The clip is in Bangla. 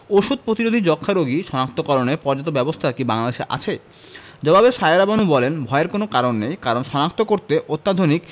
ওষুধ প্রতিরোধী যক্ষ্মা রোগী শনাক্তকরণে পর্যাপ্ত ব্যবস্থা কি বাংলাদেশে আছে জবাবে সায়েরা বানু বলেন ভয়ের কোনো কারণ নেই কারণ শনাক্ত করতে অত্যাধুনিক